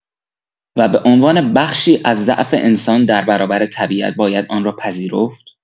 و به عنوان بخشی از ضعف انسان در برابر طبیعت باید آن را پذیرفت؟